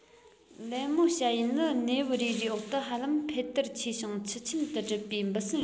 ལད མོ བྱ ཡུལ ནི གནས བབ རེ རེའི འོག ཏུ ཧ ལམ འཕེལ དར ཆེ ཞིང ཁྱུ ཆེན དུ གྲུབ པའི འབུ སྲིན རེད